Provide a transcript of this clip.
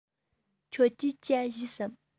ཁྱེད ཀྱིས ཇ བཞེས སམ